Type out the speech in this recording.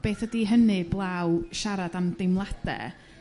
beth ydi hynny 'blaw siarad am deimlade